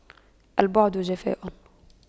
البعد جفاء